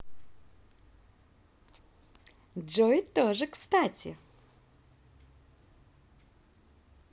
джой тоже кстати